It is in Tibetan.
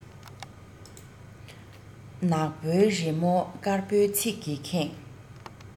ནག པོའི རི མོ དཀར པོའི ཚིག གིས ཁེངས